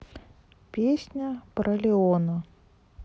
песня про леона